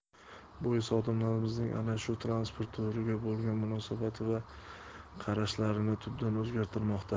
bu esa odamlarimizning ana shu transport turiga bo'lgan munosabati va qarashlarini tubdan o'zgartirmoqda